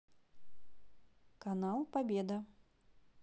канал победа